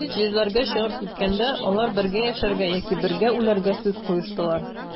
Чит җирләргә чыгып киткәндә, алар бергә яшәргә яки бергә үләргә сүз куештылар.